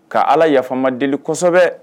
Ka ala yafama deli kosɛbɛ